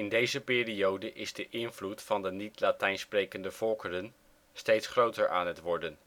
deze periode is de invloed van de niet-Latijn sprekende volkeren steeds groter aan het worden